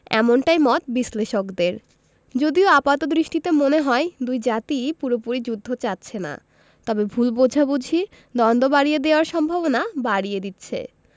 এমনটাই মত বিশ্লেষকদের যদিও আপাতদৃষ্টিতে মনে হয় দুই জাতিই পুরোপুরি যুদ্ধ চাচ্ছে না তবে ভুল বোঝাবুঝি দ্বন্দ্ব বাড়িয়ে দেওয়ার সম্ভাবনা বাড়িয়ে দিচ্ছে